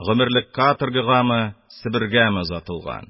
Гомерлек каторгагамы, себергәме озатылган.